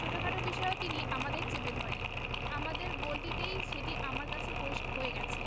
ছোটখাট বিষয়েও তিনি আমাদের চেপে ধরেন আমাদের গোলটিতেই সেটি আমার কাছে পরিস হয়ে গেছে